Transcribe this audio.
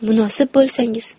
munosib bo'lsangiz